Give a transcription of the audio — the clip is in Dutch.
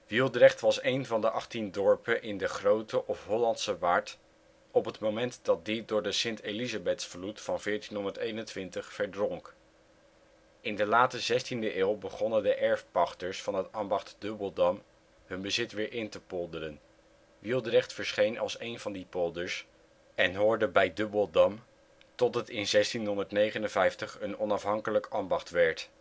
Wieldrecht was een van de achttien dorpen in de Groote of Hollandsche Waard op het moment dat die door de Sint-Elisabethsvloed (1421) verdronk. In de late zestiende eeuw begonnen de erfpachters van het ambacht Dubbeldam hun bezit weer in te polderen; Wieldrecht verscheen als een van die polders en hoorde bij Dubbeldam, tot het in 1659 een onafhankelijk ambacht werd